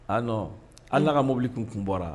A non , hali n'a ka mobili tun kun bɔra